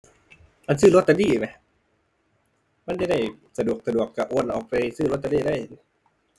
อันซื้อลอตเตอรี่แหม มันจะได้สะดวกสะดวก ก็โอนเอาไปซื้อลอตเตอรี่เลย